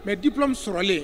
Mɛ dip min sɔrɔlen